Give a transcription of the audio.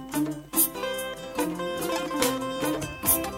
incomrehensible